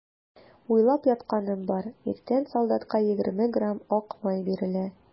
Уйлап ятканым бар: иртән солдатка егерме грамм ак май бирелә.